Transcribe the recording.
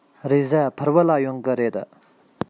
རེས གཟའ ཕུར བུ ལ ཡོང གི རེད